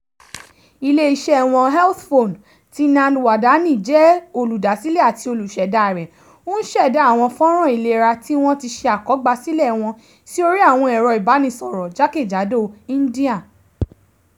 Ilé-iṣẹ́ wọn, HealthPhone, tí Nand Wadhwani jẹ́ olùdásílẹ̀ àti olùṣẹ̀dá rẹ̀, ń ṣẹ̀dá àwọn fọ́nràn ìlera tí wọ́n ti ṣe àkọ́gbàsílẹ̀ wọn sí orí àwọn ẹ̀rọ ìbánisọ̀rọ̀ jákèjádò India.